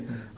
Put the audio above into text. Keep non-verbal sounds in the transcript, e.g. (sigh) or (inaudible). (hesitation)